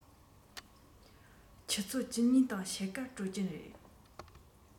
ཆུ ཚོད བཅུ གཉིས དང ཕྱེད ཀར གྲོལ གྱི རེད